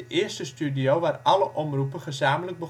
eerste studio waar alle omroepen gezamenlijk